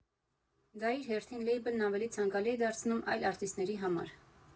Դա էլ իր հերթին լեյբլն ավելի ցանկալի է դարձնում այլ արտիստների համար։